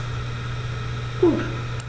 Gut.